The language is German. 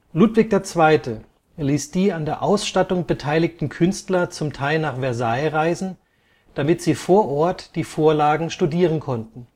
Ludwig II. ließ die an der Ausstattung beteiligten Künstler zum Teil nach Versailles reisen, damit sie vor Ort die Vorlagen studieren konnten